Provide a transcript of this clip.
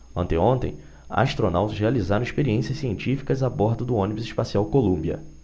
anteontem astronautas realizaram experiências científicas a bordo do ônibus espacial columbia